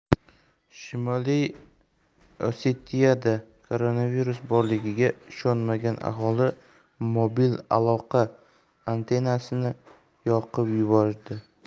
shimoliy osetiyada koronavirus borligiga ishonmagan aholi mobil aloqa antennasini yoqib yubordi